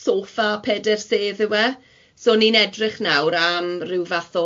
soffa peder sedd yw e. So ni'n edrych nawr am ryw fath